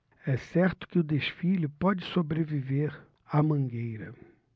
é certo que o desfile pode sobreviver à mangueira